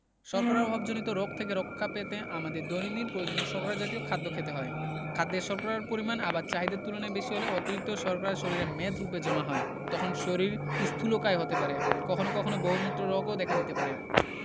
শর্করার অভাবজনিত রোগ থেকে রক্ষা পেতে আমাদের দৈনন্দিন প্রয়োজনীয় শর্করা জাতীয় খাদ্য খেতে হয় খাদ্যে শর্করার পরিমাণ আবার চাহিদার তুলনায় বেশি হলে অতিরিক্ত শর্করা শরীরে মেদরুপে জমা হয় তখন শরীর স্থুলকায় হতে পারে কখনো কখনো বহুমূত্র রগও দেখা দিতে পারে